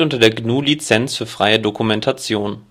unter der GNU Lizenz für freie Dokumentation.